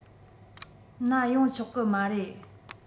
ན ཡོང ཆོག གི མ རེད